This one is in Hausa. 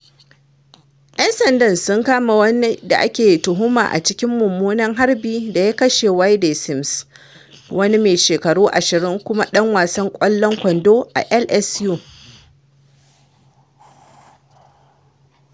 ‘Yan sanda sun kama wani da ake tuhuma a cikin mummunan harbi da ya kashe Wayde Sims, wani mai shekaru 20 kuma ɗan wasan ƙwallon kwando a LSU.